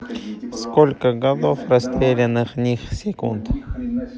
сколько годов расстрелянных них секунд